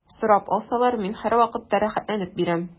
Сорап алсалар, мин һәрвакытта рәхәтләнеп бирәм.